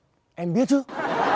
em biết chứ